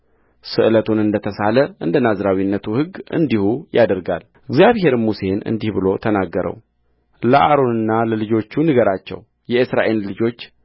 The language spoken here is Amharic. ስእለቱን እንደ ተሳለ እንደ ናዝራዊነቱ ሕግ እንዲሁ ያደርጋልእግዚአብሔርም ሙሴን እንዲህ ብሎ ተናገረውለአሮንና ለልጆቹ ንገራቸው የእስራኤልን ልጆች